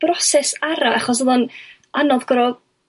Broses ara' achos oddo'n anodd goro